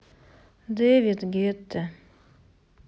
дэвид гетта